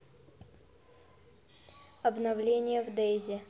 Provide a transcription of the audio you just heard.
обновление в дейзе